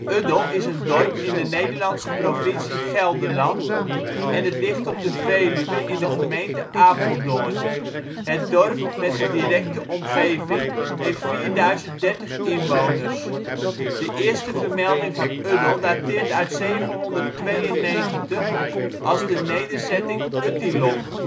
Uddel is een dorp in de Nederlandse provincie Gelderland, en het ligt op de Veluwe, in de gemeente Apeldoorn. Het dorp met de directe omgeving heeft 4030 inwoners (2008). De eerste vermelding van Uddel dateert uit 792, als de nederzetting Uttiloch